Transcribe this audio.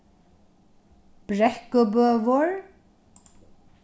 brekkubøur